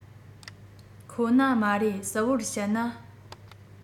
ཁོ ན མ རེད གསལ པོར བཤད ན